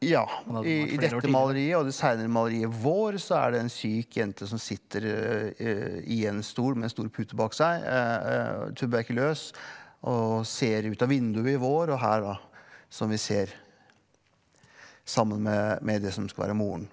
ja i i dette maleriet og det seinere maleriet Vår så er det en syk jente som sitter i en stol med stor pute bak seg tuberkuløs og ser ut av vinduet i Vår og her da som vi ser sammen med med det som skal være moren.